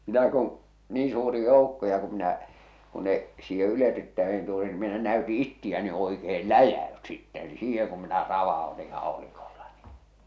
mitä kun niin suuri joukko ja kun minä kun ne siihen yletyttäin tuli niin minä näytin itseä ne oikein läjäytyi sitten niin siihen kun minä ravautin haulikolla niin